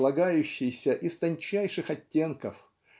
слагающийся из тончайших оттенков